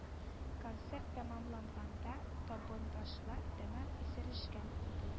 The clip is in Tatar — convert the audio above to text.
Концерт тәмамланганда табындашлар тәмам исерешкән иде